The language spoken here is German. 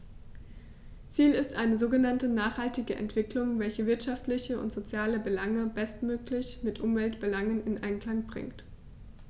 Ziel ist eine sogenannte nachhaltige Entwicklung, welche wirtschaftliche und soziale Belange bestmöglich mit Umweltbelangen in Einklang bringt.